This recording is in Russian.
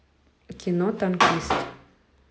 кино танкист